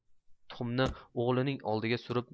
tuxumni o'g'lining oldiga surib